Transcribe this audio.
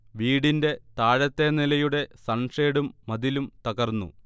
വീടിൻെറ താഴത്തെ നിലയുടെ സൺഷേഡും മതിലും തകർന്നു